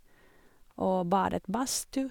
Og badet badstu.